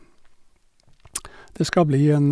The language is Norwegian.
Det skal bli en...